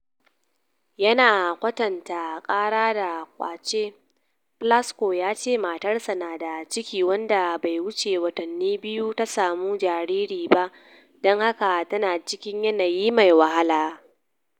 ya na kwatanta kara da “kwace,” Plasco ya ce matarsa na da ciki wanda bai wuce watanni biyu ta samu jariri ba don haka tana cikin "yanayi mai wahala."